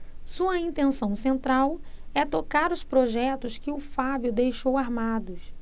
sua intenção central é tocar os projetos que o fábio deixou armados